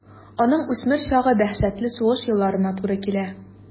Аның үсмер чагы дәһшәтле сугыш елларына туры килә.